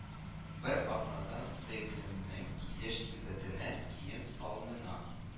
Бер атнадан сөеклемнең килеш-килбәтенә, кием-салмына